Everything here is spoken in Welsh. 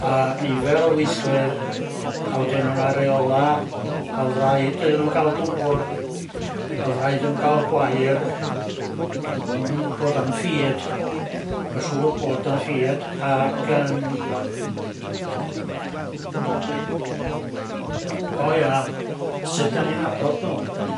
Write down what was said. A nifer o weithwyr a wedyn o'na reola o'dd raid iddyn n'w ga'l dŵr o'dd raid iddyn n'w gael gwair dwi'm yn gwybod am ffid ma' siŵr bod y ffid ag yym... o ia... sud dan ni'n nabod n'w?